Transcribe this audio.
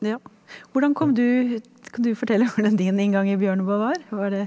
ja, hvordan kom du kan du fortelle hvordan din inngang i Bjørneboe var, var det?